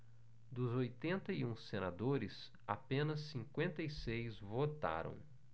dos oitenta e um senadores apenas cinquenta e seis votaram